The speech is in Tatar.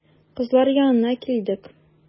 Кызлар янына килдек.